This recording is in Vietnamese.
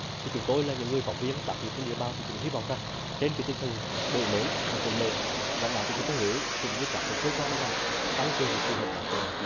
chúng tôi là những người phóng viên tác nghiệp trên địa bàn thì cũng hy vọng rằng trên tinh thần đổi mới và cởi mở lãnh đạo tỉnh thừa thiên huế cũng như các cơ quan ban ngành tăng cường sự hợp tác với báo chí